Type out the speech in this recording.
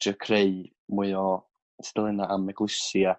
trio creu mwy o tudalenna am eglwysi a